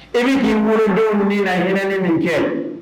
I bɛ k'i bolodenw min na hinɛini min kɛ